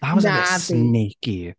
That was a bit snakey.